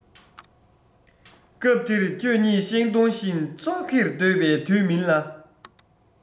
སྐབས དེར ཁྱོད ཉིད ཤིང སྡོང བཞིན ཙོག གེར སྡོད པའི དུས མིན ལ